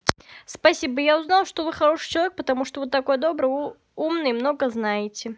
спасибо я узнала что вы хороший человек потому что вы такой добрый умный много знаете